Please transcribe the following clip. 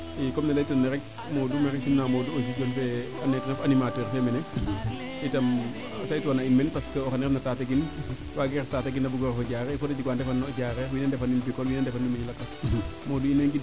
i comme ne leyta noona rek Modou maxey simna Modou aussi ando naye ten ref annimateur fee mene itam a seytuwa in meen fo o xene refna Tataguine waage ref Tataguine a bugo refo Diarekh fook te jeg waa ndefan na o Diarekh wene ndefa nin Bikole wene ndefa nin mbiño lakas Modou in way